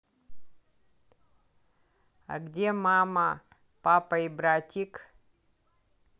а где мама папа и братик